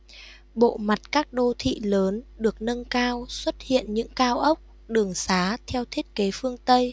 bộ mặt các đô thị lớn được nâng cao xuất hiện những cao ốc đường sá theo thiết kế phương tây